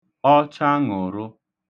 ọchaṅụ̀rụ